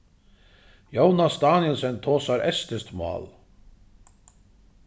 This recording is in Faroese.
jónas danielsen tosar estiskt mál